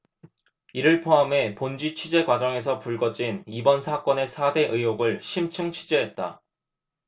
이를 포함해 본지 취재 과정에서 불거진 이번 사건의 사 대 의혹을 심층 취재했다